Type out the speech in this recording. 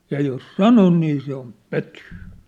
ja jos sanon niin se on pötyä